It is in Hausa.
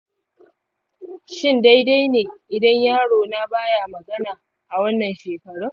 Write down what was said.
shin daidai ne idan yarona baya magana a wannan shekarun?